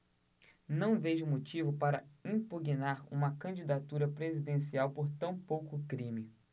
não vejo motivo para impugnar uma candidatura presidencial por tão pouco crime